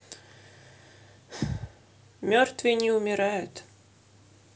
мертвые не умирают